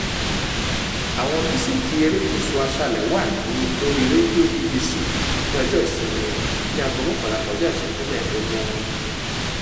Àwọn dísìkì Èrékùsù Aṣalẹ̀ wà lórí Rédíò BBC ní ọjọ́ Ìsinmi ní 11:15 BST.